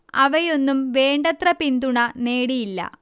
അവയൊന്നും വേണ്ടത്ര പിന്തുണ നേടിയില്ല